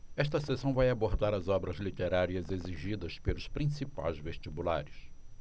esta seção vai abordar as obras literárias exigidas pelos principais vestibulares